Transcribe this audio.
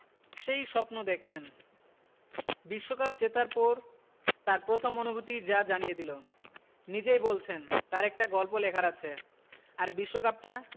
সেই স্বপ্ন দেখছেন বিশ্বকাপ জেতার পর তাঁর প্রথম অনুভূতিই যা জানিয়ে দিল নিজেই বলছেন তাঁর একটা গল্প লেখার আছে আর বিশ্বকাপটা